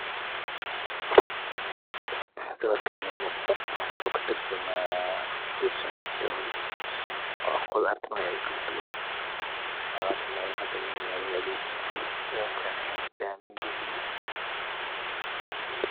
Sawirkan idinmuqda wuxu katurjima qudarta nocayadedakaladuban yayadii sidokale bamiyihii